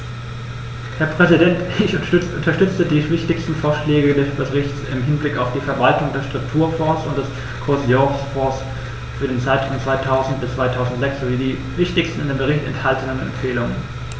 Herr Präsident, ich unterstütze die wichtigsten Vorschläge des Berichts im Hinblick auf die Verwaltung der Strukturfonds und des Kohäsionsfonds für den Zeitraum 2000-2006 sowie die wichtigsten in dem Bericht enthaltenen Empfehlungen.